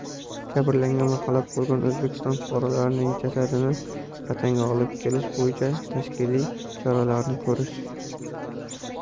jabrlangan va halok bo'lgan o'zbekiston fuqarolarining jasadini vatanga olib kelish bo'yicha tashkiliy choralarni ko'rish